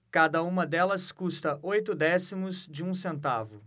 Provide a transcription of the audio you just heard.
cada uma delas custa oito décimos de um centavo